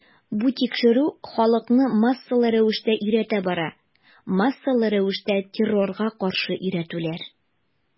Бу тикшерү, халыкны массалы рәвештә өйрәтү бара, массалы рәвештә террорга каршы өйрәтүләр.